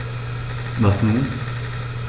Was nun?